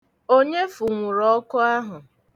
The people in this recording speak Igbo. Onye funwuru ọkụ ahụ?